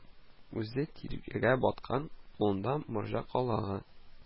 Үзе тиргә баткан, кулында морҗа калагы